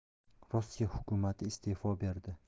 rossiya hukumati iste'fo berdi